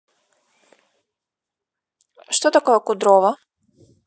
что такое кудрово